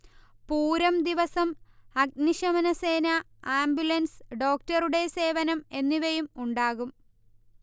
പൂരം ദിവസം അഗ്നിശമനസേന, ആംബുലൻസ്, ഡോക്ടറുടെ സേവനം എന്നിവയും ഉണ്ടാകും